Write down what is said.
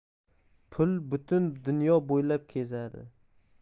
pul butun dunyo bo'ylab kezadi